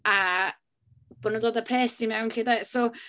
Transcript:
A bo' nhw'n dod â pres i mewn 'lly 'de, so...